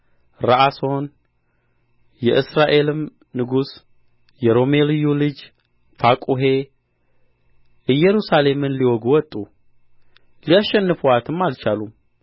ረአሶን የእስራኤልም ንጉሥ የሮሜልዩ ልጅ ፋቁሔ ኢየሩሳሌምን ሊወጉ ወጡ ሊያሸንፉአትም አልቻሉም